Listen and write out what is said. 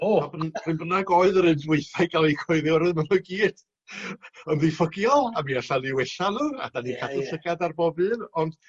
o bn- pryn bynnag oedd yr dwaetha i ga'l ei coeddi oerwydd ma' n'w gyd yn ddiffygiol a mi allan i wella a 'dan ni'n cadw llygad ar bob un ond